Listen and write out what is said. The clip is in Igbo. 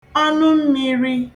ọnụ mmīri